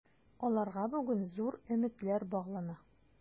Аларга бүген зур өметләр баглана.